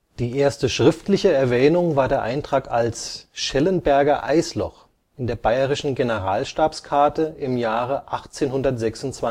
Die erste schriftliche Erwähnung war der Eintrag als Schellenberger Eisloch in der bayerischen Generalstabskarte im Jahre 1826